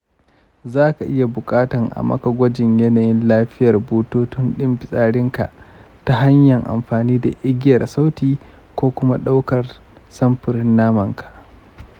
zaka iya bukatan a maka gwajin yanayin lafiyar bututun din fitsarinka ta hanyar amfani da igiyar sauti ko kuma daukar samfurin namanka.